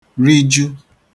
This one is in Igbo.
riju